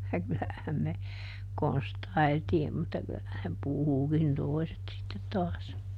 ja kyllähän me konstailtiin mutta kyllähän ne puhukin toiset sitten taas